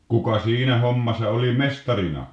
kuka siinä hommassa oli mestarina